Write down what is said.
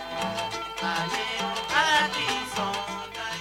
San wagɛnin